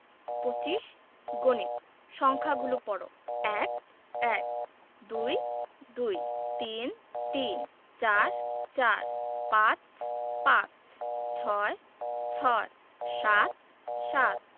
২৫ গণিত সংখ্যাগুলো পড়ঃ ১ - এক ২ - দুই ৩ - তিন ৪ – চার ৫ – পাঁচ ৬ - ছয় ৭ - সাত